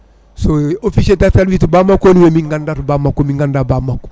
so officier * wi to bammakko woni min ganda to bammakko woni min ganda bammakko